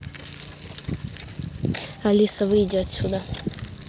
алиса выйди отсюда